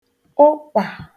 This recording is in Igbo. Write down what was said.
ụkpà